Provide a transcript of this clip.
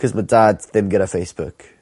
'C'os ma' dad ddim gyda Facebook.